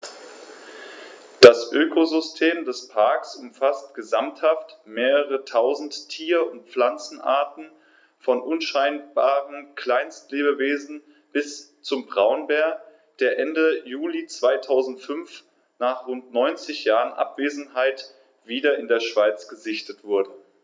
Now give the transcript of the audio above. Das Ökosystem des Parks umfasst gesamthaft mehrere tausend Tier- und Pflanzenarten, von unscheinbaren Kleinstlebewesen bis zum Braunbär, der Ende Juli 2005, nach rund 90 Jahren Abwesenheit, wieder in der Schweiz gesichtet wurde.